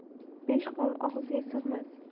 besh qo'l og'izga sig'mas